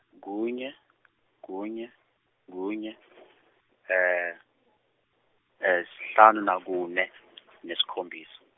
kunye , kunye, kunye , sihlanu nakune, nesikhombisa.